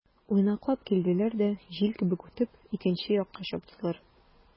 Уйнаклап килделәр дә, җил кебек үтеп, икенче якка чаптылар.